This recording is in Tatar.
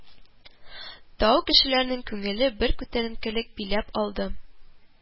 Тау кешеләрен күңелле бер күтәренкелек биләп алды